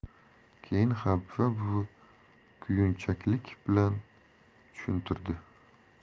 keyin habiba buvi kuyunchaklik bilan tushuntirdi